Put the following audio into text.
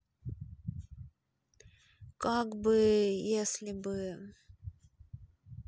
как бы если бы